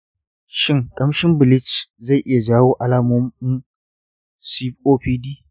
shin ƙamshin bleach zai iya jawo alamomin copd?